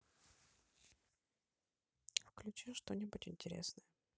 включи что нибудь интересное